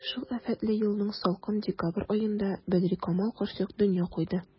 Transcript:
Шул афәтле елның салкын декабрь аенда Бәдрикамал карчык дөнья куйды.